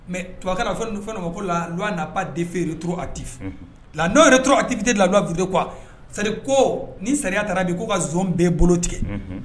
Mais Tubabukan na a bɛ fɔ fɛn dɔ ma ko la loi n'a pas d'effet rétroactif, la non rétroactivité de la loi ça veut dire quoi, ç'a dire ko ni sariya taarara bi ka nso bɛɛ bolo tigɛ bi, unhun.